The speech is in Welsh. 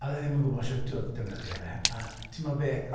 A oedd e ddim yn gwbod shwt oedd defnyddo fe. A timod be?